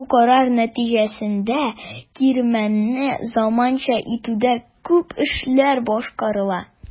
Бу карар нәтиҗәсендә кирмәнне заманча итүдә күп эшләр башкарыла.